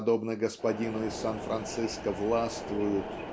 подобно господину из Сан-Франциско властвуют